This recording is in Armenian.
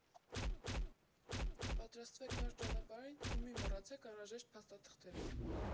Պատրաստվեք նոր ճանապարհին ու մի մոռացեք անհրաժեշտ փաստաթղթերը։